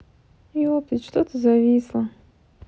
ептыть что то зависло